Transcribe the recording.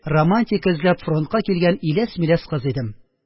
Романтика эзләп фронтка килгән иләс-миләс кыз идем